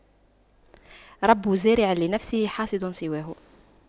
رب زارع لنفسه حاصد سواه